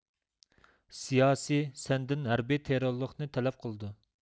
سىياسىي سەندىن ھەربىي تېررورلۇقنى تەلەپ قىلىدۇ